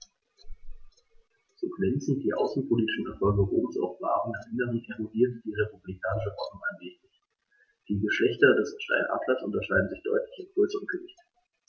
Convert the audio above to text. So glänzend die außenpolitischen Erfolge Roms auch waren: Im Inneren erodierte die republikanische Ordnung allmählich. Die Geschlechter des Steinadlers unterscheiden sich deutlich in Größe und Gewicht.